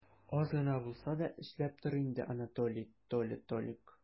Аз гына булса да эшләп тор инде, Анатолий, Толя, Толик!